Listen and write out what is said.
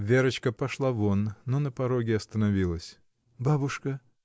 Вера пошла вон, но на пороге остановилась. — Бабушка!